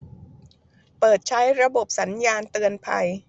เปิดใช้ระบบสัญญาณเตือนภัย